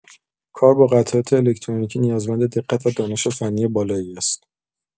کار با قطعات الکترونیکی نیازمند دقت و دانش فنی بالایی است.